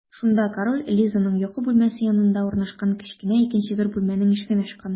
Шунда король Элизаның йокы бүлмәсе янында урнашкан кечкенә икенче бер бүлмәнең ишеген ачкан.